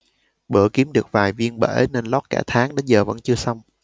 bữa kiếm được vài viên bể nên lót cả tháng đến giờ vẫn chưa xong